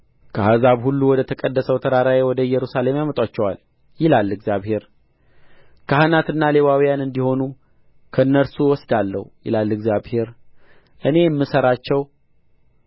ከአሕዛብ ሁሉ ወደ ተቀደሰው ተራራዬ ወደ ኢየሩሳሌም ያመጡአቸዋል ይላል እግዚአብሔር ካህናትና ሌዋውያን እንዲሆኑ ከእነርሱ እወስዳለሁ ይላል እግዚአብሔር እኔ የምሠራቸው